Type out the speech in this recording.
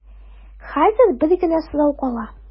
Хәзер бер генә сорау кала.